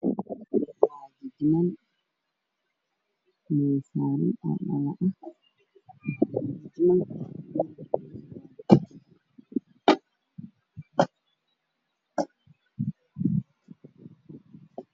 Waxaa ii muuqda jijin oo midabkooda yahay dahabi oo dul saaran miyuus muraayad ah